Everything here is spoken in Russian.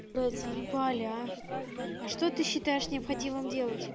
а что ты считаешь необходимым делать